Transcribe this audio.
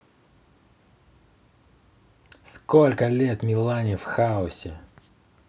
сколько лет милане в хаосе